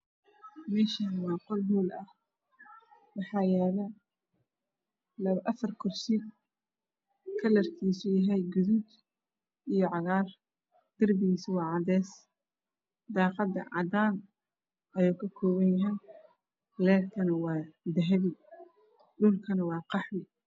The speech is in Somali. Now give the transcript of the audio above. Meshaan waa meel hool ah waxaa yala afar kursi calarkiisu yahay guduud iyo cagaar darpigiuso waa cadees daqadana wa cadaan waxa uu kakoopan yahy leerkana waa dahapi dhulkana wa qaxwi